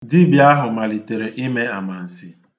Dibia ahụ malitere ime amansi.